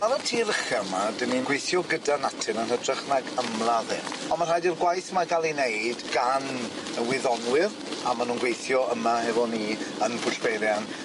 Ar y tir ucha 'ma 'dyn ni'n gweithio gyda natur yn hytrach nag ymladd e, on' ma' rhaid i'r gwaith ma' ga'l ei neud gan y wyddonwyr a ma' nw'n gweithio yma hefo ni yn Pwll Beirian.